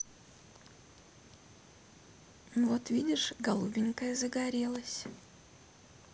вот видишь голубенькая загорелась